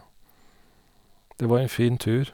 Det var en fin tur.